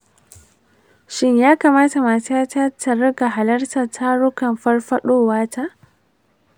shin ya kamata matata ta riƙa halartar tarukan farfadowata?